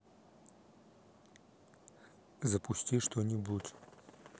запусти что нибудь